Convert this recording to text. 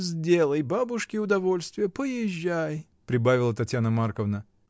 — Сделай бабушке удовольствие, поезжай! — прибавила Татьяна Марковна.